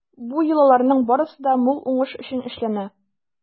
Бу йолаларның барысы да мул уңыш өчен эшләнә.